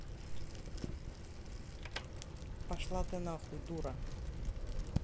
пошла ты нахуй дура